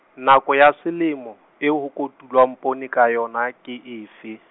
nako ya selemo, eo ho kotulwang poone ka yona, ke efe?